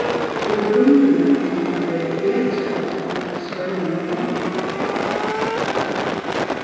í grundini mátti tað verið betri at havt okkurt at skoyta rundanum